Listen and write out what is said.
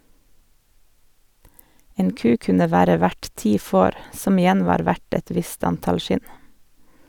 En ku kunne være verd ti får , som igjen var verdt et visst antall skinn.